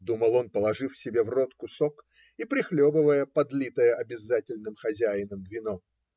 думал он, положив себе в рот кусок и прихлебывая подлитое обязательным хозяином вино.